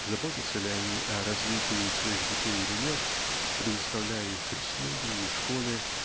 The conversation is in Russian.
Заботятся ли они о "развитии" своих детей или нет предоставляя их прислуге и школе